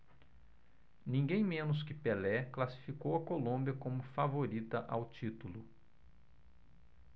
ninguém menos que pelé classificou a colômbia como favorita ao título